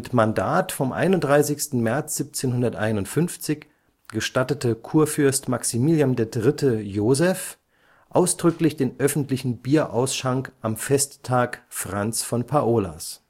Mandat vom 31. März 1751 gestattete Kurfürst Maximilian III. Joseph ausdrücklich den öffentlichen Bierausschank am Festtag Franz von Paolas